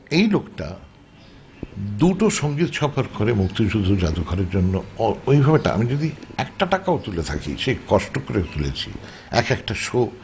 এই লোকটা দুটো সংগীত সফর করে মুক্তিযুদ্ধ জাদুঘরের জন্য আমি যদি একটা টাকাও তুলে থাকি সে কষ্ট করে তুলেছি একেকটা শো